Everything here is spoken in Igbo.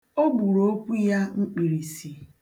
O gburu okwu ya mkpirisi.